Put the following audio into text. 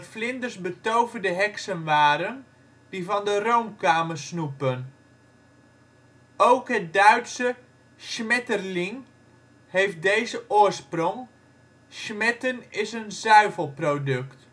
vlinders betoverde heksen waren die van de room kwamen snoepen. Ook het Duitse schmetterling heeft deze oorsprong; schmetten is een zuivelproduct